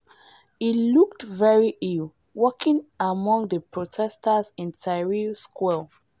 He looked very ill, walking alone among the protestors in Tahrir square.